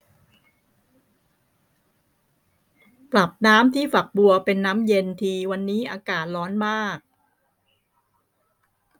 ปรับน้ำที่ฝักบัวเป็นน้ำเย็นทีวันนี้อากาศร้อนมาก